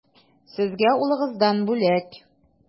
Сезгә улыгыздан бүләк.